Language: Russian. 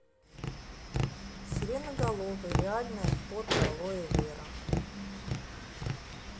сиреноголовый реальное фото алоэ вера